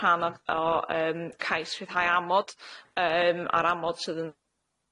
rhan o o yym cais rhyddhau amod yym a'r amod sydd yn